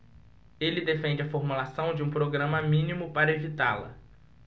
ele defende a formulação de um programa mínimo para evitá-la